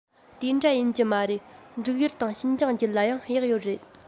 དེ འདྲ ཡིན གྱི མ རེད འབྲུག ཡུལ དང ཤིན ཅང རྒྱུད ལ ཡང གཡག ཡོད རེད